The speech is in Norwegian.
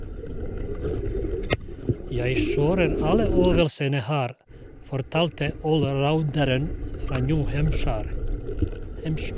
- Jeg kjører alle øvelsene her, fortalte allrounderen fra New Hampshire.